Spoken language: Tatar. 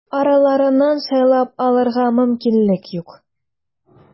Араларыннан сайлап алырга мөмкинлек юк.